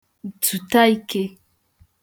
dtùta ikē